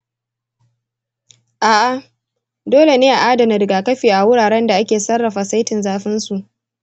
a’a, dole ne a adana rigakafi a wuraren da ake sarrafa saitin zafinsu.